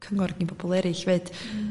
cyngor gin bobol erill 'fyd